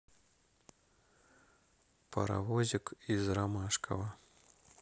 паровозик из ромашково